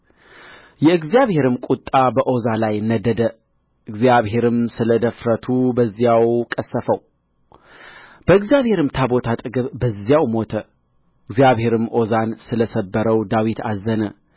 የእግዚአብሔርም ቍጣ በዖዛ ላይ ነደደ እግዚአብሔርም ስለ ድፍረቱ በዚያው ቀሠፈው በእግዚአብሔርም ታቦት አጠገብ በዚያው ሞተ እግዚአብሔርም ዖዛን ስለ ሰበረው ዳዊት አዘነ